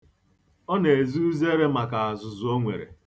Ọ na-eze uzere maka azụzụ o nwere.